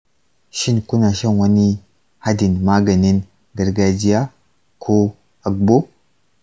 shin kuna shan wani hadin maganin gargajiya ko agbo?